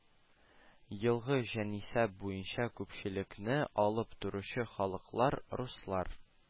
Елгы җанисәп буенча күпчелекне алып торучы халыклар: руслар